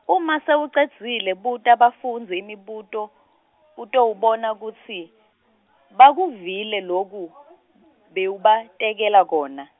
uma sewucedzile buta bafundzi imibuto, utawubona kutsi, bakuvile loku, bewubatekela kona.